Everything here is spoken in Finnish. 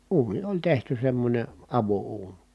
uuni oli tehty semmoinen avouuni